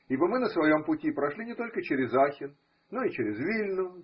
ибо мы на своем пути прошли не только через Ахен, но и через Вильну.